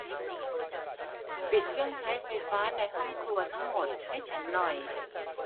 ปิดเครื่องใช้ไฟฟ้าในห้องครัวทั้งหมดให้ฉันหน่อย